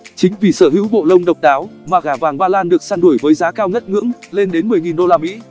chính vì sở hữu bộ lông độc đáo mà gà vàng ba lan được săn đuổi với giá cao ngất ngưỡng lên đến usd